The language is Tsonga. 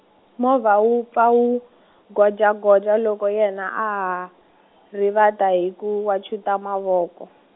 movha wu pfa wu godya godya loko yena a ha , rivatiwa hi ku wachuta mavoko.